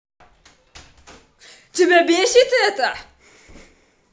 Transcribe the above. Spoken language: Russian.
тебя бесит это